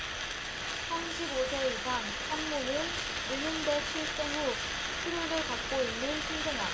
삼십 오 세 이상 산모는 느는데출생 후 치료를 받고 있는 신생아